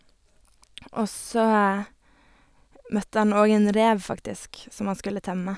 Og så møtte han òg en rev, faktisk, som han skulle temme.